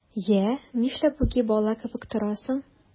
Йә, нишләп үги бала кебек торасың?